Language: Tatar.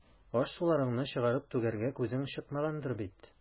Аш-суларыңны чыгарып түгәргә күзең чыкмагандыр бит.